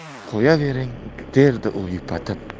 qo'yavering derdi u yupatib